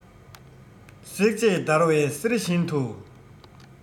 སྲེག བཅད བརྡར བའི གསེར བཞིན དུ